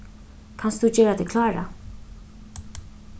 kanst tú gera teg klára